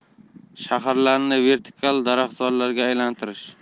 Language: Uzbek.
shaharlarni vertikal daraxtzorlar ga aylantirish